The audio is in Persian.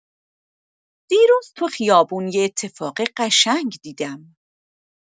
دیروز تو خیابون یه اتفاق قشنگ دیدم.